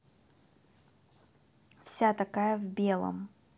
вся такая в белом